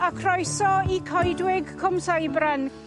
A croeso i Coedwig Cwmseibren.